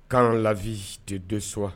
K'an labi de don s